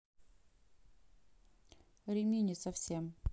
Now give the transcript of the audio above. римини совсем